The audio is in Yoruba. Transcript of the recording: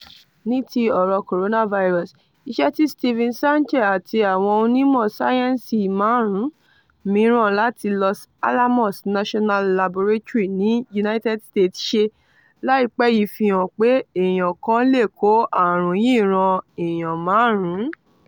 Ní ti ọ̀rọ̀ coronavirus, iṣẹ́ tí Steven Sanche àti àwọn onímọ̀ sáyẹ́ńsì márùn-ún míràn láti Los Alamos National Laboratory ni United States ṣe láìpé yìí fi hàn pé eèyàn kan lè kó aàrùn yìí ran eèyan márùn-ún.